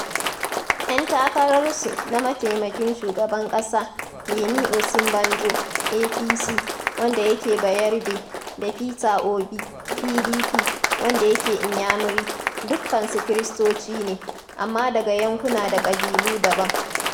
Yan takararsu na mataimakin shugaban ƙasa - Yemi Osibanjo (APC) wanda yake bayarbe da Peter Obi (PDP) wanda yake Inyamiri dukkansu Kiristoci ne - amma daga yankuna da ƙabilu daban.